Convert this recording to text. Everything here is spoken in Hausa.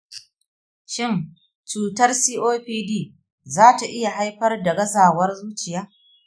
shin cutar copd za ta iya haifar da gazawar zuciya?